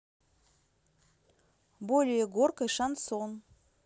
более горкой шансон